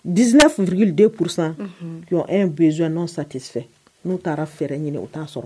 Diina ftiriden kurusan e bɛnsonɔn satifɛ n'u taara fɛrɛɛrɛ ɲini o t'a sɔrɔ